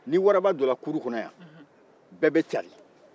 ni waraba donna kuru kɔnɔ yan bɛɛ bɛ carin